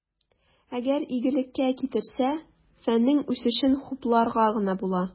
Әгәр игелеккә китерсә, фәннең үсешен хупларга гына була.